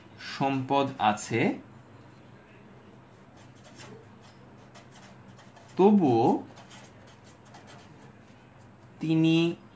সম্পদ আছে তবুও তিনি